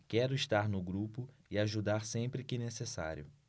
quero estar no grupo e ajudar sempre que necessário